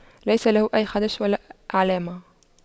ليس له أي خدش ولا علامة